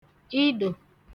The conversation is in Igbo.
idò